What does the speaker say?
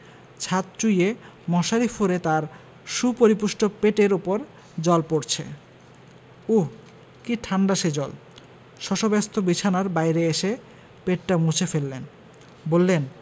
ছাদ চুঁইয়ে মশারি ফুঁড়ে তাঁর সুপরিপুষ্ট পেটের উপর জল পড়চে উঃ কি ঠাণ্ডা সে জল শশব্যস্ত বিছানার বাইরে এসে পেটটা মুছে ফেললেন বললেন